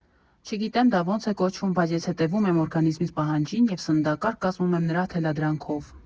Չգիտեմ դա ոնց է կոչվում, բայց ես հետևում եմ օրգանիզմիս պահանջին և սննդակարգ կազմում եմ նրա թելադրանքով։